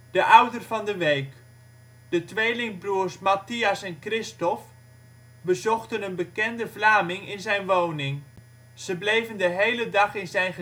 De Ouder van de Week: De tweelingbroers Mathias en Kristof bezochten een bekende Vlaming in zijn woning. Ze bleven de hele dag in zijn